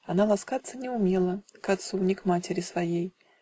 Она ласкаться не умела К отцу, ни к матери своей